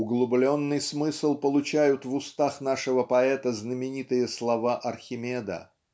Углубленный смысл получают в устах нашего поэта знаменитые слова Архимеда